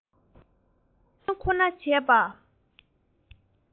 དུས རྟག ཏུ སློབ བྱོལ ཁོ ན བྱས